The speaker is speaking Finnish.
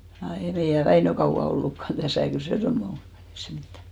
ja ei meidän Väinö kauan ollutkaan tässä kyllä se semmoinen oli ei se mitään